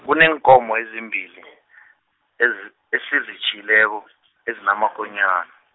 kuneenkomo ezimbili , ez- esizitjhiyileko, ezinamakonyana.